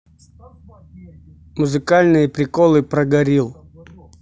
музыкальные приколы про горилл